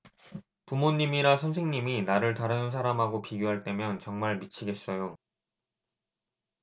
부모님이나 선생님이 나를 다른 사람하고 비교할 때면 정말 미치겠어요